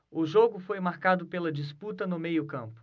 o jogo foi marcado pela disputa no meio campo